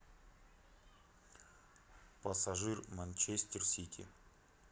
пассажир манчестер сити